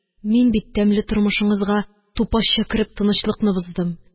Мин бит, тәмле тормышыңызга тупасча кереп, тынычлыкны боздым.